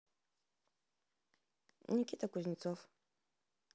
никита кузнецов